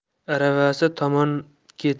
aravasi tomon ketdi